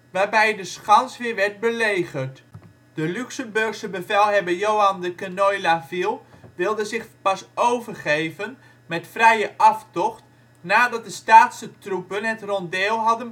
waarbij de schans weer werd belegerd. De Luxemburgse bevelhebber Johan de Quenoy la Ville wilde zich pas overgeven (met vrije aftocht) nadat de Staatse troepen het rondeel hadden